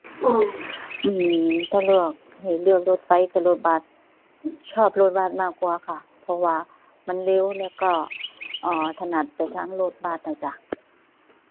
อือ ถ้าเลือก ให้เลือกรถไฟกับรถบัส ชอบรถบัสมากกว่าค่ะ เพราะมันเร็วแล้วก็ อ่อ ถนัดไปทางรถบัสอะจ้ะ